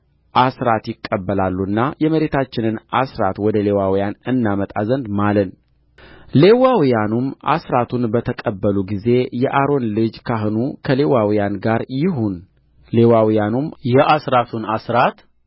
አሥራት ይቀበላሉና የመሬታችንን አሥራት ወደ ሌዋውያን እናመጣ ዘንድ ማልን ሌዋውያኑም አሥራቱን በተቀበሉ ጊዜ የአሮን ልጅ ካህኑ ከሌዋውያን ጋር ይሁን ሌዋውያኑም የአሥራቱን አሥራት